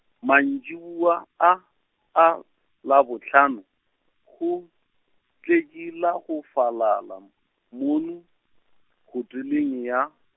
mantšiboa a a Labohlano, go tletše la go falala mono, hoteleng ya.